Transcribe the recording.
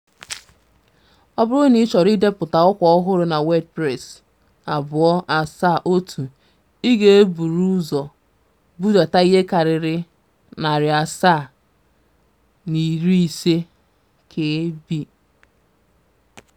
Ọ bụrụ na ịchọrọ idepụta ọkwa ọhụrụ na WordPress (2.7.1), ị ga-eburu ụzọ budata ihe karịrị 750kb.